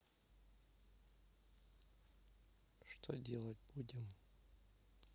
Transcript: что делать будем